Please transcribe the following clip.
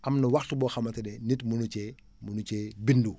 am na waxtu boo xamante ne nit munu cee munu cee bindu